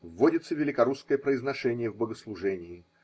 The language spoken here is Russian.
Вводится великорусское произношение в богослужении.